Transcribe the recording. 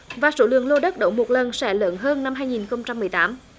và số lượng lô đất đấu một lần sẽ lớn hơn năm hai nghìn không trăm mười tám